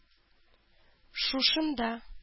Шушында